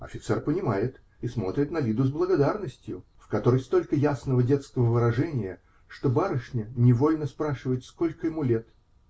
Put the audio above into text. Офицер понимает и смотрит на Лиду с благодарностью, в которой столько ясного детского выражения, что барышня невольно спрашивает, сколько ему лет.